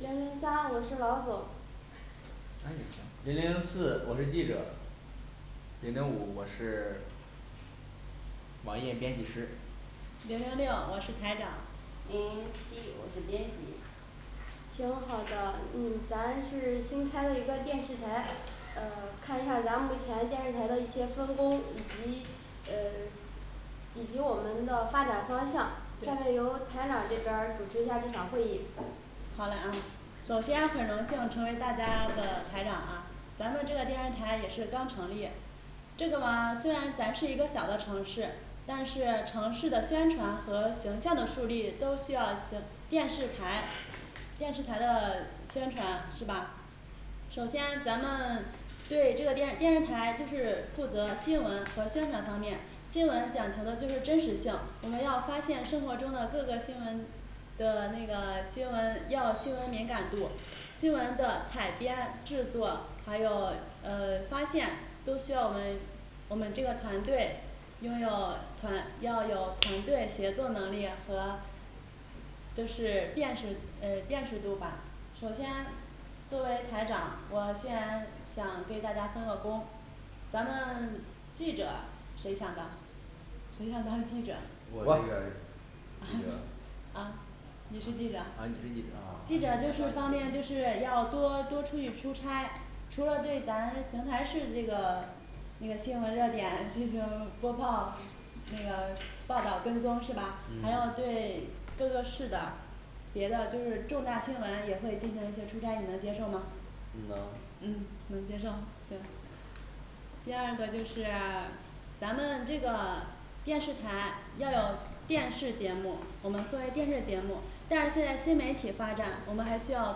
零零三我是老总零零四我是记者，零零五我是 网页编辑师，零零六我是台长，零零七我是编辑行好的，嗯咱是新开了一个电视台，呃看一下，咱目前电视台的一些分工以及呃 以及我们的发展方向，下面对由台长这边儿主持一下这场会议好嘞啊，首先很荣幸成为大家的台长啊咱们这个电视台也是刚成立这个嘛虽然咱是一个小的城市，但是城市的宣传和形象的树立都需要形电视台电视台的宣传是吧？首先咱们对这个电电视台就是负责新闻和宣传方面新闻讲求的就是真实性，我们要发现生活中的各个新闻的那个新闻要新闻敏感度，新闻的采编制作，还有呃发现都需要我们我们这个团队拥有团要有团队协作能力和就是辨识呃辨识度吧。 首先作为台长，我现在想给大家分个工咱们 记者谁想的谁想当记者我这边我儿记者啊你是记啊你者，是记者记哦者就是方便就是要多多出去出差除了对咱邢台市的这个那个新闻热点进行播报那个报道跟踪是吧，还要嗯对各个市的别的就是重大新闻也会进行一些出差，你能接受吗能？嗯能接受行第二个就是 咱们这个电视台要有电视节目，我们作为电视节目但是现在新媒体发展，我们还需要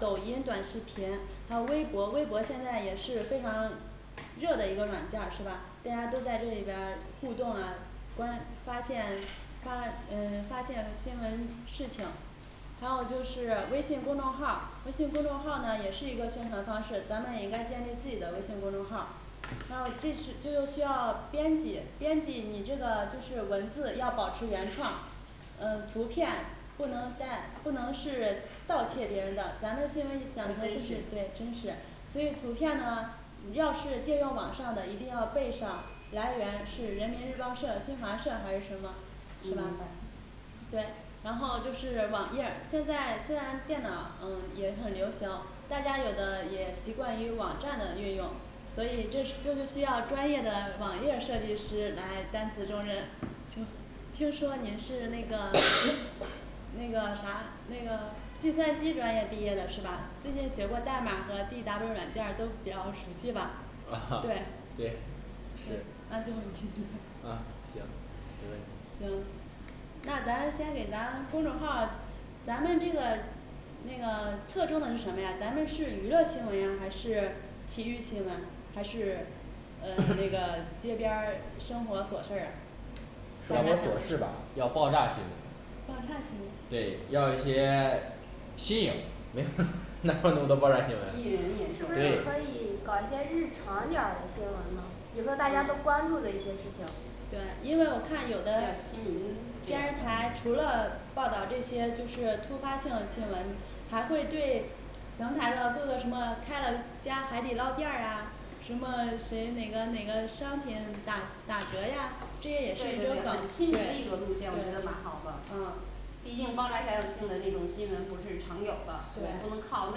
抖音短视频，还有微博微博现在也是非常热的一个软件儿是吧？大家都在这里边儿互动啊关发现发呃发现新闻事情还有就是微信公众号儿，微信公众号儿呢也是一个宣传方式，咱们也应该建立自己的微信公众号儿，还有这是这就需要编辑编辑你这个就是文字要保持原创呃图片不能带不能是盗窃别人的咱的新闻讲不的就真是实对真事。所以图片呢你要是借用网上的一定要备上。来源是人民日报社、新华社还是什么嗯是明吧？白对。然后就是网页儿现在虽然电脑嗯也很流行，大家有的也习惯于网站的运用所以这是就是需要专业的网页儿设计师来担此重任就听说你是那个 那个啥那个计算机专业毕业的是吧？最近学过代码和D W软件儿都比较熟悉吧哦。对 对是那就这么去决定。 啊行没问题行那咱先给咱公众号儿，咱们这个那个侧重的是什么呀咱们是娱乐新闻呀还是体育新闻？还是呃那 个街边儿生活琐事儿啊生活要啥琐事吧要爆炸新闻爆炸新闻对，要一些 新颖哪有那么多爆炸新吸引人眼闻 是球不是对可的以搞一些日常点儿的新闻吗？比如说大家都关注的一些事情对。因为我看比有较的亲民这电样视台，嗯除的了报道这些就是突发性的新闻，还会对邢台的各个什么开了家海底捞店儿啊什么谁哪个哪个商品打打折呀这也对是一个对对对很亲民的对一个路线，我觉得蛮好的啊毕竟爆炸下的新闻那种新闻不是常有的，我对啊们不能靠那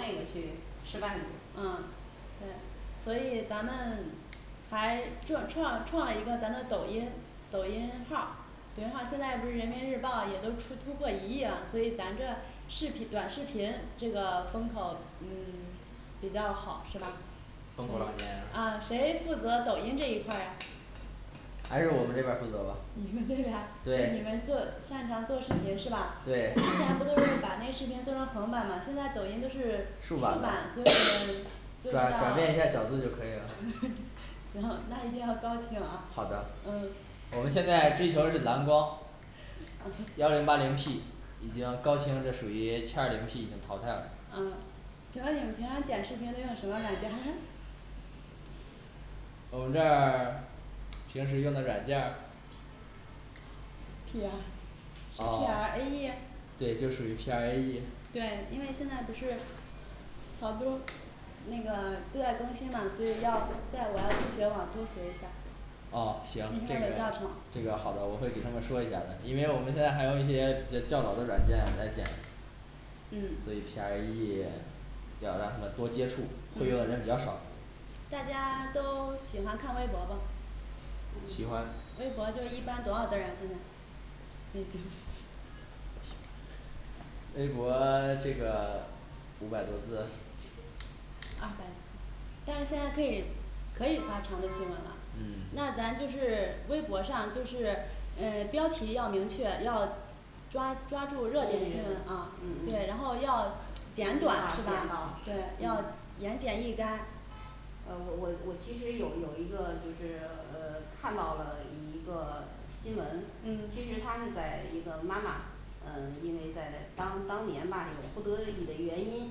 个去吃饭去对，所以咱们还做创创了一个咱的抖音抖音号儿，抖音号儿现在不是人民日报也都出突破一亿了，所以咱这视频短视频这个风口嗯 比较好是吧风口浪尖？呀啊谁负责抖音这一块儿呀？还是我们这边儿负责吧你们这边儿 你对们做擅长做视频是吧？之前对不都是把 那视频做成横板吗？现在抖音都是竖竖板板的所以 不再知道转变一下角度就可以了行那一定要高清啊 好的嗯我们现在追求的是蓝光啊幺零八零P已经高清这属于七二零P已经淘汰了啊请问你们平常剪视频都用什么软件儿 我们这儿 平时用的软件儿 P R P 哦，R A E 对就属于P R A E 对，因为现在不是好多那个 对外中心嘛所以要在我爱自学网多学一下噢行，里这面个有教程这个好的，我会给他们说一下儿的，因为我们现在还用一些呃较早的软件来剪嗯所以P R A E 要让他们多接触，会用的嗯人比较少大家 都 喜欢看微博不喜嗯欢微博就一般多少个人现在微博 这个五百多字二百但是现在可以可以发长的新闻了，嗯那咱就是微博上就是呃标题要明确要抓抓住热点吸新引人，闻，啊嗯嗯，对，然后要一简句话短是点到，吧？对要嗯言简意干呃我我我其实有有一个就是呃看到了一个新闻，嗯其实它是在一个妈妈嗯因为在在当当年吧有不得已的原因，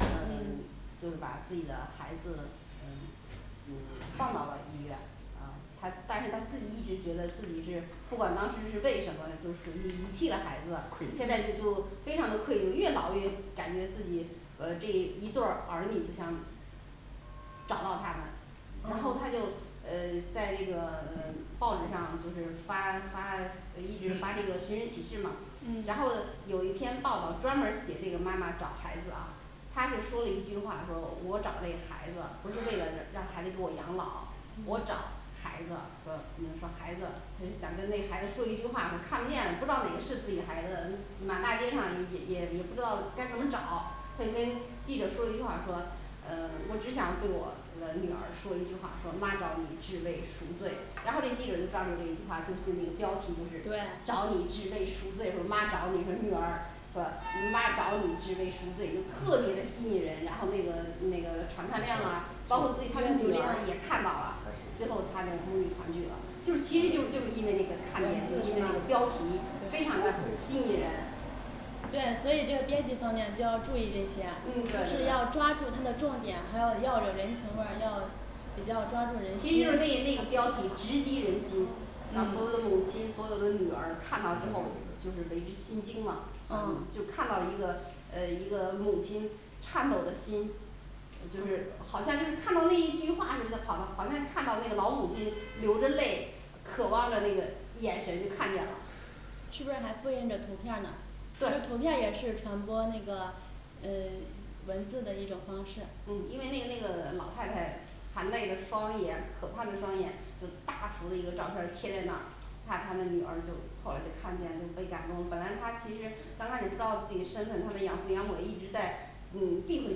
嗯就是把自己的孩子嗯嗯放到了医院啊她但是她自己一直觉得自己是不管当时是为什么就属于遗弃了孩子愧，现在就疚就非常的愧疚，越老越感觉自己呃这一对儿儿女就想找到他们然后他就呃在这个嗯报纸上就是发发一直发这个寻人启事嘛，嗯然后有一篇报道专门儿写这个妈妈找孩子啊他是说了一句话说我找这孩子不是为了让孩子给我养老我嗯找孩子说嗯说孩子他就想跟那孩子说一句话说看不见不知道哪个是自己孩子，嗯满大街上也也也不知道该怎么找他就跟记者说了一句话说嗯我只想对我的女儿说一句话说妈找你只为赎罪，然后这记者就抓住这一句话，就是那个标题就是对找你只为赎罪，说妈找你说女儿说妈找你只为赎罪，就特别的吸引人，然后那个那个传看量啊包括自己他的女儿也看到了最后她就母女团聚了，就是其实就是就是因为那个看点，就因为那个标题非常的吸引人对，所以这个编辑方面就要注意这些，嗯对就是对要对抓住它的重点，还有要有人情味儿要比较抓住人其心实就，那那个标题直击人心，让所有的母亲所有的女儿看到之后嗯就是为之心惊了，嗯嗯就看到一个呃一个母亲颤抖的心呃就是好像就是看到那一句话是就好的好像看到那个老母亲流着泪渴望着那个眼神就看见了是不是还复印着图片儿呢其实对图片也是传播那个呃 文字的一种方式。嗯因为那个那个老太太含泪的双眼儿，可盼的双眼就大幅的一个照片儿贴在那儿看他的女儿就后来就看见就被感动了，本来他其实刚开始不知道自己身份，他的养父养母一直在嗯避讳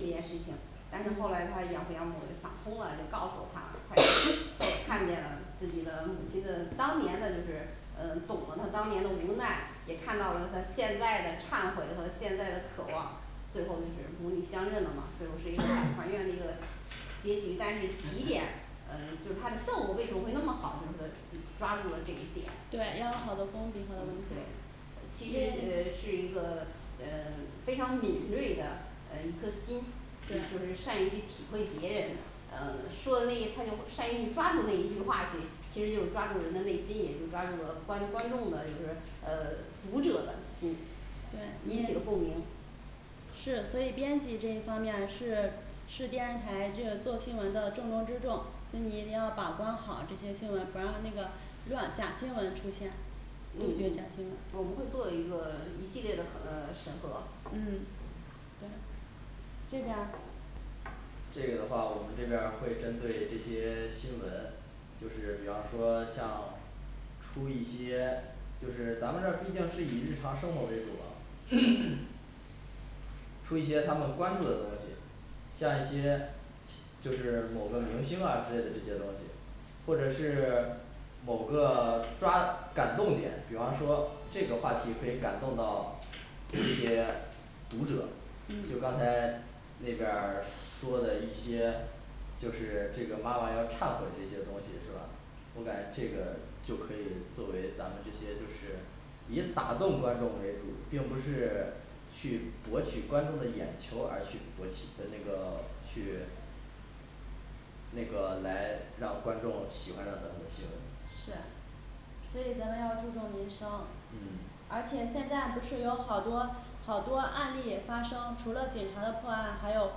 这件事情，但是后来他的养父养母想通了，就告诉他，他也 他也看见了自己的母亲的当年的就是嗯懂了他当年的无奈，也看到了他现在的忏悔和现在的渴望最后就是母女相认了嘛最后是一个大 团圆的一个结局，但是起点呃就是它的效果为什么会那么好，就是抓住了这一点。对，要有好的功嗯底好的文字对呃其因实呃为是一个呃非常敏锐的呃一颗心嗯就是善于去体会别人呃说的那他就会 善于去抓住那一句话去，其实就是抓住人的内心，也就抓住了观观众的就是呃读者的心对引起了对共鸣是，所以编辑这一方面儿是是电视台这个做新闻的重中之重，你一定要把关好，这些新闻不让那个乱假新闻出现，嗯嗯杜绝假新闻我们会做一个一系列的呃审核嗯对这边儿这个的话我们这边儿会针对这些 新闻就是比方说像出一些 就是咱们这儿毕竟是以日常生活为主嘛 出一些他们关注的东西像一些就是某个明星啊之类的这些东西或者是 某个 抓感动点，比方说这个话题可以感动到一 些 读者嗯就刚才那边儿 说的一些就是这个妈妈要忏悔这些东西是吧？我感觉这个就可以，作为咱们这些就是以打动观众为主，并不是 去博取观众的眼球儿而去博取的那个 去那个来让观众喜欢上咱们的新闻是所以咱们要注重民声嗯而且现在不是有好多好多案例发生，除了警察的破案还有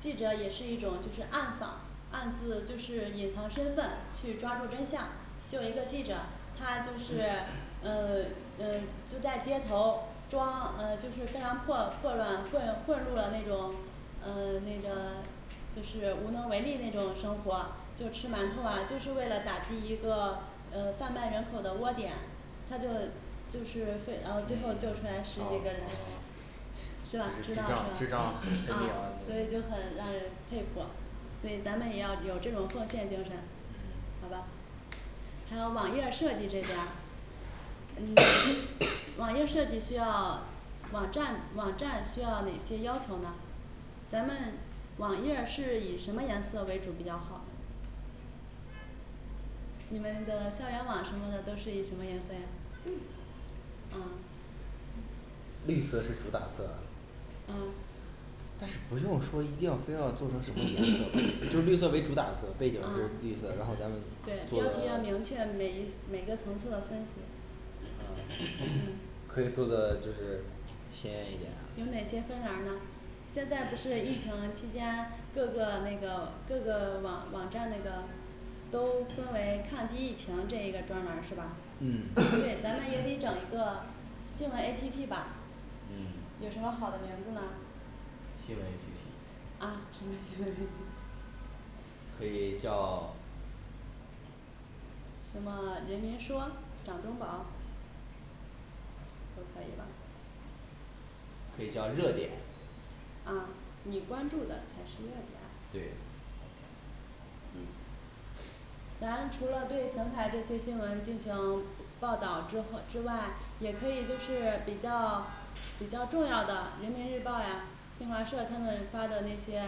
记者也是一种就是暗访，暗自就是隐藏身份去抓住真相就有一个记者他就是呃呃就在街头装呃就是非常破破乱，混混入了那种呃 那个就是无能为力那种生活。就吃馒头啊就是为了打击一个呃贩卖人口的窝点他就就是最然后最后救出来嗯好知十几道个人了是吧智知智道障了智是吧？障跟这个啊所以 就很让人佩服所以咱们也要有这种奉献精神嗯好吧还有网页儿设计这边儿嗯 网页设计需要网站网站需要哪些要求呢？咱们网页儿是以什么颜色为主比较好你们的校园网什么的都是以什么颜色呀绿色啊绿色是主打色嗯但是不用说一定非要做成什么颜色，就是绿色为主打色背景是啊绿色，然后咱们对做要的不要明确的每每个层次的分析。啊嗯可以做的就是鲜艳一点儿呀有哪些分栏儿呢现在不是疫情期间，各个那个各个网网站那个都分为抗击疫情这一个专栏儿是吧？嗯对，咱们也得整一个新闻A P P吧嗯有什么好的名字吗新闻A P P 啊什么名儿 可以叫 什么人民说掌中宝都可以吧可以叫热点啊你关注的才是热点儿对嗯咱除了对邢台这些新闻进行报道之后之外，也可以就是比较 比较重要的人民日报呀新华社他们发的那些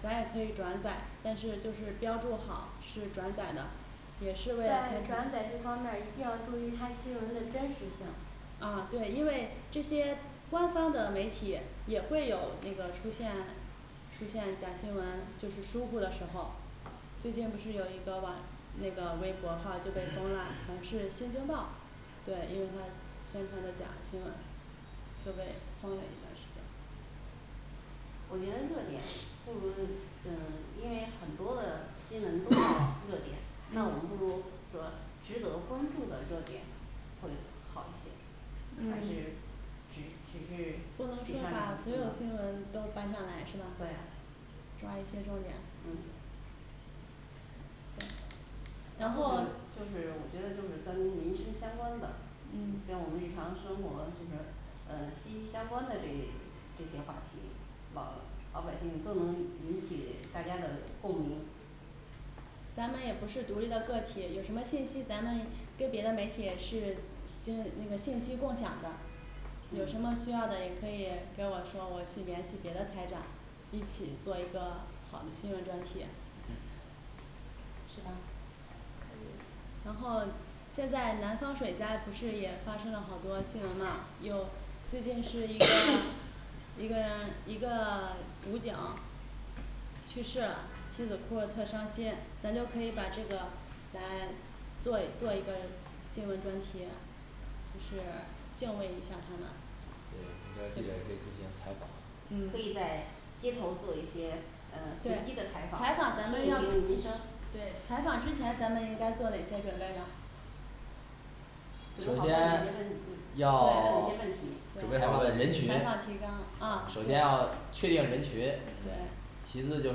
咱也可以转载，但是就是标注好是转载的也是为了在宣转传载这方面儿一定要注意他新闻的真实性啊对，因为这些官方的媒体也会有那个出现出现假新闻就是疏忽的时候，最近不是有一个网那个微博号儿就被封啦，可能是精京报。对因为他宣传的假新闻就被封了一段儿时间我觉得热点不如嗯因为很多的新闻都叫 热点那我们不如说值得关注的热点会好一些还嗯是只只是不能说写上两把个字所有呢，新闻都搬上来是吧？对呀抓一些重点嗯然然后后，就就是我觉得就是跟民生相关的，嗯跟我们日常生活就是呃息息相关的这这些话题老老百姓更能引起大家的共鸣咱们也不是独立的个体，有什么信息咱们跟别的媒体也是经那个信息共享的有嗯什么需要的也可以跟我说，我去联系别的台长，一起做一个好的新闻专题是吧嗯然后现在南方水灾不是也发生了好多新闻嘛有最近是一个 一个人一个 武警去世了，妻子哭的特伤心，咱就可以把这个来做做一个新闻专题就是敬畏一下他们对我们这儿记者也可以进行采访嗯可，以在街头做一些呃随对机的采访，采听访咱一们要听民声对采访之前咱们应该做哪些准备呢准备好问哪些问问首先哪要，些 问题准备对好问人群采访提纲啊首先要确定人群嗯对其次就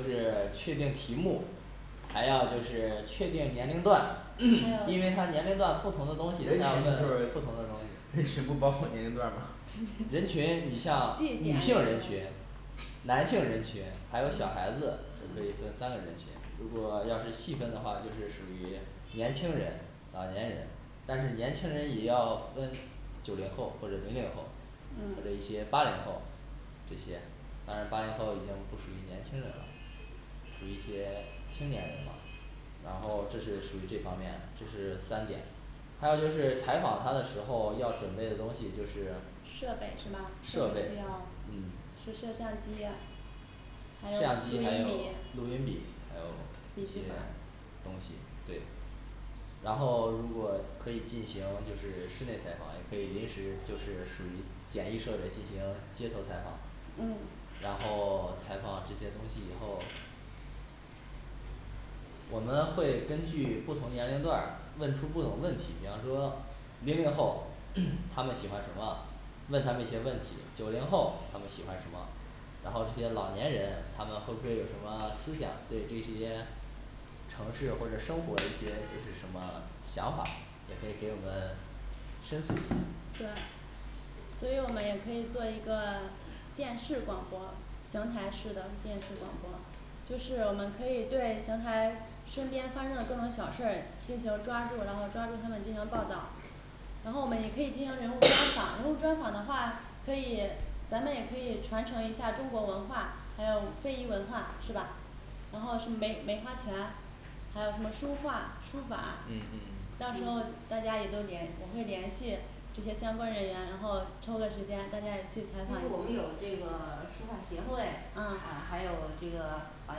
是 确定题目还要就是确定年龄段。因还有为他年龄段不同的东西，就是不同的东西人群不包括年龄段儿嘛 你像人群你像女性人群男性人群。还有小孩子就可以分三个人群。如果要是细分的话就是属于年轻人。老年人但是年轻人也要分九零后或者零零后。或者嗯一些八零后这些当然八零后已经不属于年轻人了是一些青年人吧然后这是属于这方面，这是三点还有就是采访他的时候要准备的东西就是设备是吧？设设备备要嗯就摄像机还相有机，录还有音笔，录音笔，还有笔一些记本儿东西，对然后如果可以进行就是室内采访，也可以临时就是属于简易设备进行街头采访嗯然后 采访这些东西以后我们会根据不同年龄段儿问出不同问题，比方说零零后他们喜欢什么？问他们一些问题，九零后他们喜欢什么然后一些老年人他们会不会有什么思想，对这些城市或者生活的一些就是什么想法，也可以给我们身死对所以我们也可以做一个电视广播邢台市的电视广播就是我们可以对邢台身边发生的各种小事儿进行抓住，然后抓住他们进行报道然后我们也可以进行人物专访，人物专访的话可以咱们也可以传承一下中国文化，还有非遗文化是吧？然后是梅梅花钱还有什么书画书法嗯嗯，到时候嗯大家也都联我会联系这些相关人员，然后抽个时间大家也去因采访为我们一下，有这个书画协会，啊还啊有这个老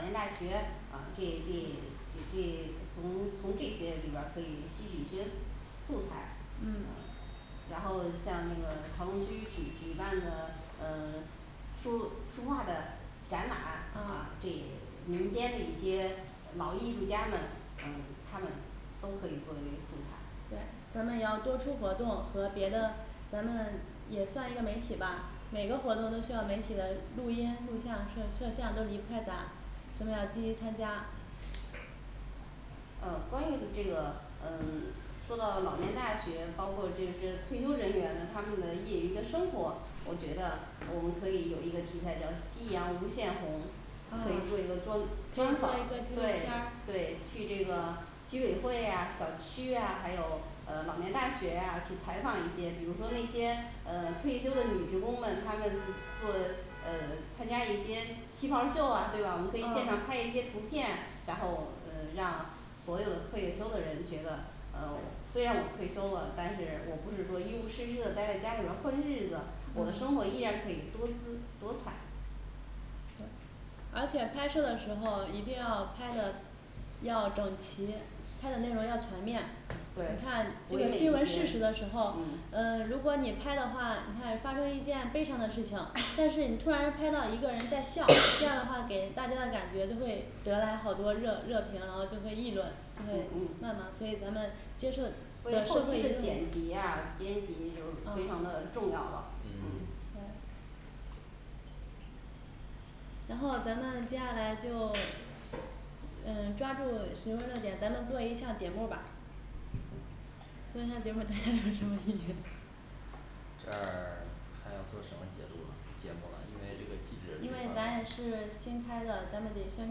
年大学，呃这这这这从从这些里边儿可以吸取一些素材嗯嗯然后像那个桥东区举举办的呃 书书画的展览，啊啊这民间的一些老艺术家们，嗯他们都可以做这个素材对，咱们也要多出活动和别的咱们也算一个媒体吧每个活动都需要媒体的录音、录像、摄摄像都离不开咱咱们要积极参加呃关于这个呃说到了老年大学，包括就是退休人员的他们的业余的生活，我觉得我们可以有一个题材叫夕阳无限红可以啊做一个专也可专以做访，一个纪念对摊儿对，去这个居委会啊小区啊还有呃老年大学啊去采访一些比如说那些呃退休的女职工们，她们做呃参加一些旗袍秀啊对吧？我们可以现场嗯拍一些图片，然后嗯让所有的退休的人觉得呃虽然我退休了，但是我不是说一无事事的呆在家里边儿混日子，我的嗯生活依然可以多姿多彩对而且拍摄的时候一定要拍的要整齐，拍的内容要全面，你对看记唯录美新闻一些事实的时候，嗯嗯如果你拍的话，你看发生一件悲伤的事情，但是你突然拍到一个人在笑，这样的话给 大家的感觉就会得来好多热热评然后就会议论。就会嗯谩嗯骂。所以咱们接受所以社后会期的舆论剪，辑啊编辑就是非常的嗯重要了嗯嗯对然后咱们接下来就 嗯抓住询问热点，咱们做一项节目吧做一项节目大家有什么异议吗 这儿 还要做什么节录啊节目啊，因为这个地址你因知为咱也道是新开的，咱们得宣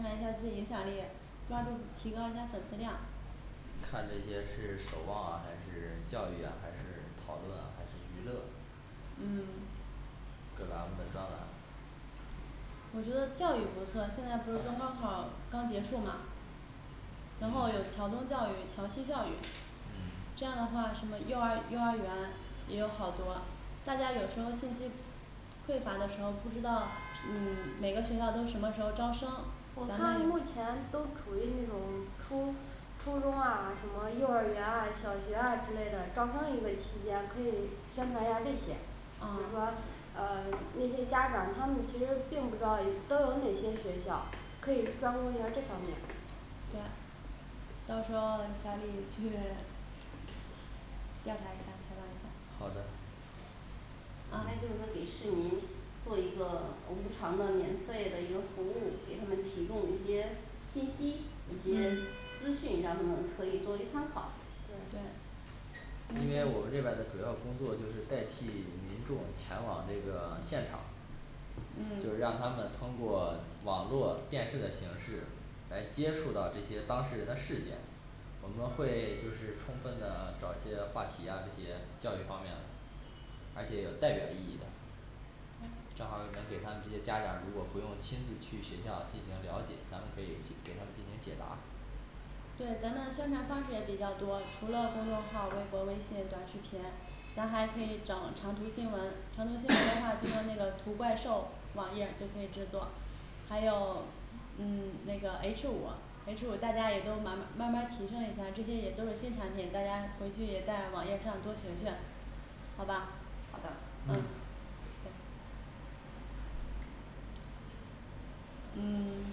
传一下自己影响力抓住提高一下粉丝量看那些是守望啊还是教育啊还是讨论，还是娱乐嗯各栏目的专栏我觉得教育不错，现在不是中高考刚结束嘛然后有嗯桥东教育，桥西教育嗯这样的话什么幼儿幼儿园也有好多大家有时候信息匮乏的时候不知道嗯每个学校都什么时候招生我，咱这儿们目前都处于那种初初中啊什么幼儿园啊小学啊之类的招生一类期间可以宣传一下这些比如啊说呃那些家长他们其实并不知道都有哪些学校可以专攻一下这方面对到时候小李去 调查一下这方面好的那啊就是说给市民做一个无偿的免费的一个服务，给他们提供一些信息，一些嗯资讯让他们可以作为参考。对对因为我们这边儿的主要工作就是代替民众前往这个现场嗯就是让他们通过网络电视的形式来接触到这些当事人的事件我们会就是充分的找一些话题啊这些教育方面而且有代表意义的嗯正好能给他们这些家长如果不用亲自去学校进行了解，咱们可以给他们进行解答对咱们的宣传方式也比较多，除了公众号儿、微博、微信、短视频咱还可以整长途新闻，长途新闻的话 就用那个图怪兽网页儿就可以制作还有嗯那个H五，H五大家也都慢慢慢慢儿提升一下，这些也都是新产品，大家回去也在网页上多学学好吧？好的嗯嗯对嗯